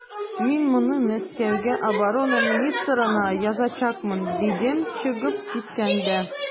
Мин моны Мәскәүгә оборона министрына язачакмын, дидем чыгып киткәндә.